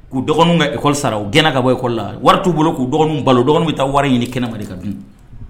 K'u dɔgɔnin ka ekɔli sara u gɛn ka bɔ ekɔ la wari t'u bolo k'u dɔgɔnin balo dɔgɔnin bɛ taa wari ɲini kɛnɛbali ka dun